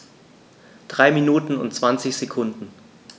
3 Minuten und 20 Sekunden